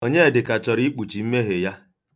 Onyedịka choro ikpuchi mmehie ya.